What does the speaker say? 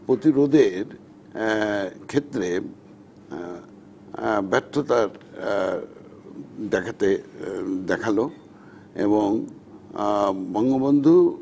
প্রতিরোধের ক্ষেত্রে ব্যর্থতা দেখাতে দেখালো এবং বঙ্গবন্ধু